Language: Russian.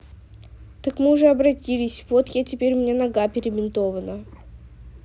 так мы уже обратились вот я теперь у меня нога перебинтована